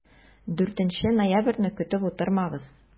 4 ноябрьне көтеп утырмагыз!